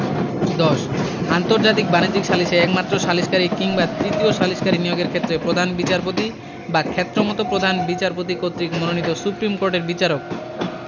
১০ আন্তর্জাতিক বাণিজ্যিক সালিসে একমাত্র সালিসকারী কিংবা তৃতীয় সালিসকারী নিয়োগের ক্ষেত্রে প্রধান বিচারপতি বা ক্ষেত্রমত প্রধান বিচারপতি কর্তৃক মনোনীত সুপ্রীম কোর্টের বিচারক